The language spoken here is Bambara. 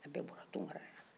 a bɛɛ bɔra tunkarala